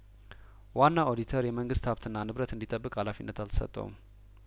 ዋናው ኦዲተር የመንግስት ሀብትና ንብረት እንዲጠብቅ ሀላፊነት አልተሰጠውም